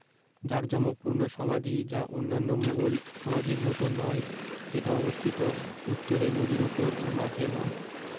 জাকজমক পূর্ণ সমাধি যা অন্যান্য মুঘল সমাধির মতো নয় যেটা অবস্থিত উত্তরে নদীর উপর ও মাঝে নয়